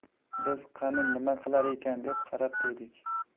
biz qani nima qilar ekan deb qarab turdik